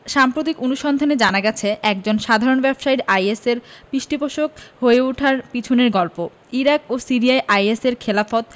সাম্প্রতিক অনুসন্ধানে জানা গেছে একজন সাধারণ ব্যবসায়ীর আইএসের পৃষ্ঠপোষক হয়ে ওঠার পেছনের গল্প ইরাক ও সিরিয়ায় আইএসের খিলাফত